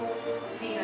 gì